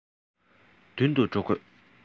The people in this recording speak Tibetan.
མདུན དུ འགྲོ དགོས